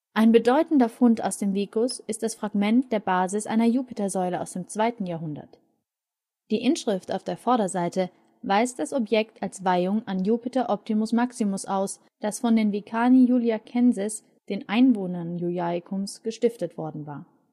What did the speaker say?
Ein bedeutender Fund aus dem vicus ist das Fragment der Basis einer Jupitersäule aus dem 2. Jahrhundert. Die Inschrift auf der Vorderseite weist das Objekt als Weihung an Iupiter Optimus Maximus aus, das von den vicani iuliacenses, den Einwohnern Iuliacums, gestiftet worden war